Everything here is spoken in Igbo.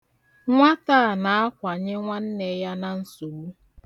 Nwata a na-akwanye nwanne ya na nsogbu.